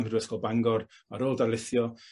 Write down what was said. ym Mhrifysgol Bangor, ar ôl darlithio